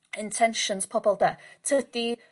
intentions pobol 'de tydi...